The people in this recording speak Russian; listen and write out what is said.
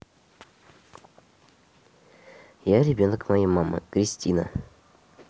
я ребенок моей мамы кристина